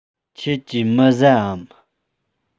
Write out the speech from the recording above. ཁྱེད ཀྱིས མི ཟ འམ